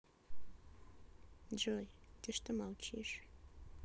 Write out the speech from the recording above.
джой ты что молчишь